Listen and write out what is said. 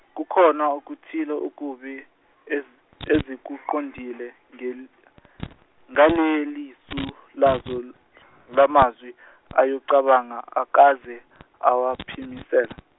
kukhona okuthile okubi, ez- ezikuqondile ngel- ngalelisu lazo, lamazwi uyawacabanga akaze, awaphimisela.